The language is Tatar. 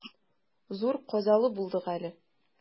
Зур казалы булдык әле.